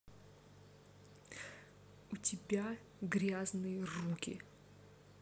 у тебя грязные руки